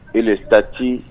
E sati